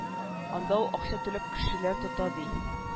Анда ул акча түләтеп кешеләр тота ди